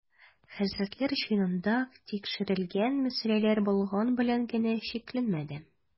Хәзрәтләр җыенында тикшерел-гән мәсьәләләр болар белән генә чикләнмәде.